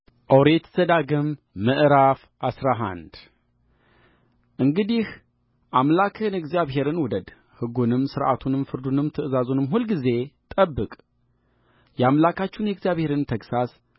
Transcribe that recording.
ኦሪት ዘዳግም ምዕራፍ አስራ አንድ እንግዲህ አምላክህን እግዚአብሔርን ውደድ ሕጉንም ሥርዓቱንም ፍርዱንም ትእዛዙንም ሁልጊዜ ጠብቅየአምላካችሁን የእግዚአብሔርን ተግሣጽ